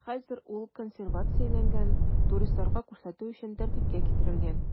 Хәзер ул консервацияләнгән, туристларга күрсәтү өчен тәртипкә китерелгән.